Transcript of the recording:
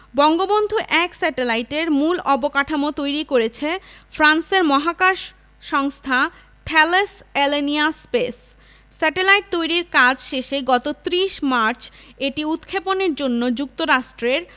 বঙ্গবন্ধু ১ স্যাটেলাইটের মূল অবকাঠামো তৈরি করেছে ফ্রান্সের মহাকাশ সংস্থা থ্যালেস অ্যালেনিয়া স্পেস স্যাটেলাইট তৈরির কাজ শেষে গত ৩০ মার্চ এটি উৎক্ষেপণের জন্য যুক্তরাষ্ট্রের